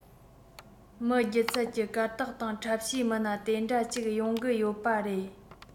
མི སྒྱུ རྩལ གྱི གར སྟེགས སྟེང འཁྲབ བྱའི མི སྣ དེ འདྲ གཅིག ཡོང གི ཡོད པ རེད